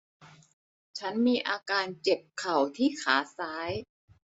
ฉันมีอาการเจ็บเข่าที่ขาซ้าย